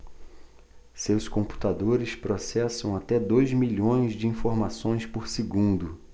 seus computadores processam até dois milhões de informações por segundo